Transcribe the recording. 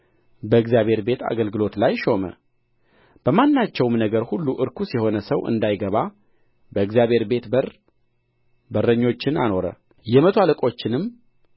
በእግዚአብሔር ቤት የከፈላቸውን ካህናትና ሌዋውያን በእግዚአብሔር ቤት አገልግሎት ላይ ሾመ በማናቸውም ነገር ሁሉ ርኩስ የሆነ ሰው እንዳይገባ በእግዚአብሔር ቤት በር በረኞችን አኖረ የመቶ አለቆችንም